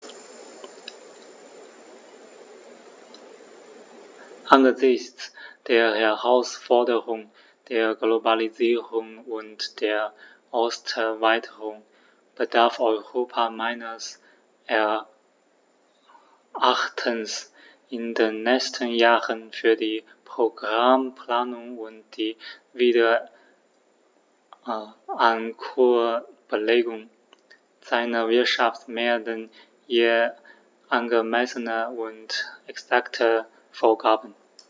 Angesichts der Herausforderung der Globalisierung und der Osterweiterung bedarf Europa meines Erachtens in den nächsten Jahren für die Programmplanung und die Wiederankurbelung seiner Wirtschaft mehr denn je angemessener und exakter Vorgaben.